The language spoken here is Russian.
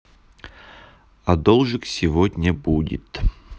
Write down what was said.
а должик сегодня будет